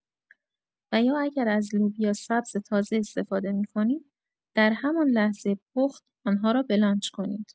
و یا اگر از لوبیا سبز تازه استفاده می‌کنید در همان لحظه پخت آنها را بلانچ کنید.